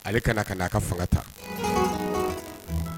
Ale kana ka n'a ka fanga ta.